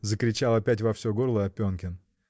— закричал опять во всё горло Опенкин.